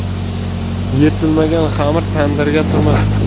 yetilmagan xamir tandirda turmas